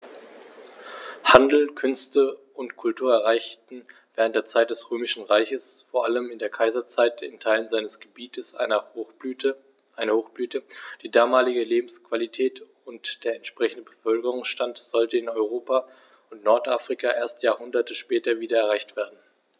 Handel, Künste und Kultur erreichten während der Zeit des Römischen Reiches, vor allem in der Kaiserzeit, in Teilen seines Gebietes eine Hochblüte, die damalige Lebensqualität und der entsprechende Bevölkerungsstand sollten in Europa und Nordafrika erst Jahrhunderte später wieder erreicht werden.